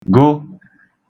gụ